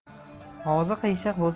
og'zi qiyshiq bo'lsa